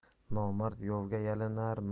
nomard yovga yalinar